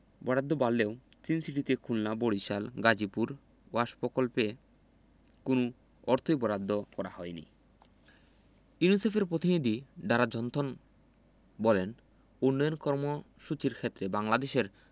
বরাদ্দ বাড়লেও তিন সিটিতে খুলনা বরিশাল গাজীপুর ওয়াশ প্রকল্পে কোনো অর্থই বরাদ্দ করা হয়নি ইউনিসেফের প্রতিনিধি ডারা জনথন বলেন উন্নয়ন কর্মসূচির ক্ষেত্রে বাংলাদেশের